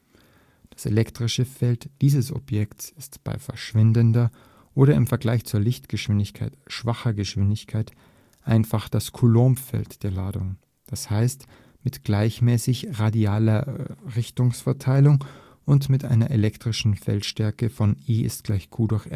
Das elektrische Feld dieses Objekts ist bei verschwindender oder im Vergleich zur Lichtgeschwindigkeit schwacher Geschwindigkeit einfach das Coulombfeld der Ladung, d.h. mit gleichmäßiger radialer Richtungsverteilung und mit einer elektrischen Feldstärke E = Q/R2